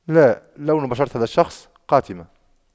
لا لون بشرة هذا الشخص قاتمة